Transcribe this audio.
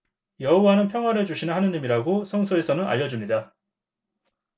여호와는 평화를 주시는 하느님이라고 성서에서는 알려 줍니다